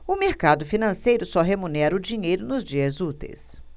o mercado financeiro só remunera o dinheiro nos dias úteis